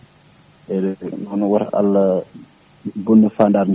erreur de hono woto Allah bonnu fandare nde